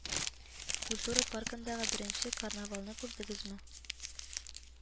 Культура паркындагы беренче карнавалны күрдегезме